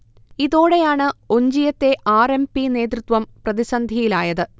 ഇതോടെയാണ് ഒഞ്ചിയത്തെ R. M. P. നേതൃത്വം പ്രതിസന്ധിയിലായത്